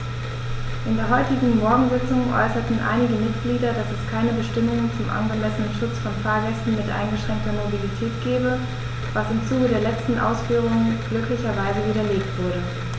In der heutigen Morgensitzung äußerten einige Mitglieder, dass es keine Bestimmung zum angemessenen Schutz von Fahrgästen mit eingeschränkter Mobilität gebe, was im Zuge der letzten Ausführungen glücklicherweise widerlegt wurde.